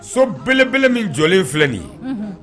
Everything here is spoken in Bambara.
So belebele min jɔlen filɛ nin ye